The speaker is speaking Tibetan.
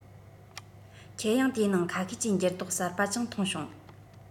ཁྱེད ཡང དེའི ནང ཁ ཤས ཀྱི འགྱུར ལྡོག གསར པ ཀྱང མཐོང བྱུང